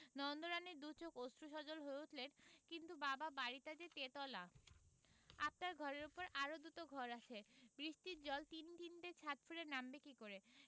নন্দরানীর দু'চোখ অশ্রু সজল হয়ে উঠলেন কিন্তু বাবা বাড়িটা যে তেতলা আপনার ঘরের উপর আরও দুটো ঘর আছে বৃষ্টির জল তিন তিনটে ছাত ফুঁড়ে নামবে কি করে